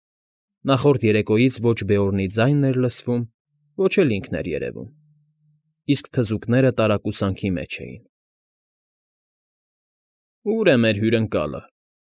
Նախորդ երեկոյից ոչ Բեորնի ձայնն էր լսվում, ոչ էլ ինքն էր երևում, իսկ թզուկները տարակուսանքի մեջ էին։ ֊ Ո՞ւր է մեր հյուրընկալը։